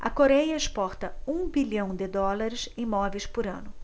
a coréia exporta um bilhão de dólares em móveis por ano